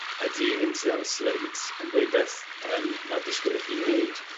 ydi hyn sydd ar y sleids yn dweud beth yym ma' disgwyl i chi neud